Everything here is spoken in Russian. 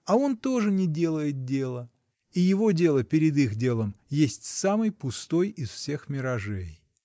А он тоже не делает дела, и его дело перед их делом — есть самый пустой из всех миражей.